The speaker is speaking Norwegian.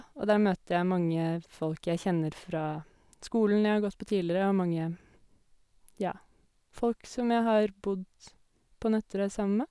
Og der møter jeg mange folk jeg kjenner fra skolen jeg har gått på tidligere og mange, ja, folk som jeg har bodd på Nøtterøy sammen med.